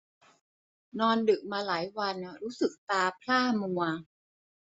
นอนดึกมาหลายวันรู้สึกตาพร่ามัว